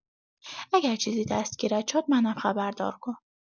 اگه چیزی دستگیرت شد، منم خبردار کن.